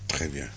très bien